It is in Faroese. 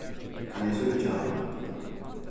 kann eg síggja